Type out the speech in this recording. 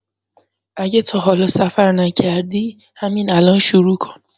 اگه تاحالا سفر نکردی، همین الان شروع کن.